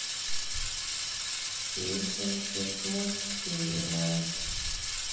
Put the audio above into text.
песенки с мультфильмом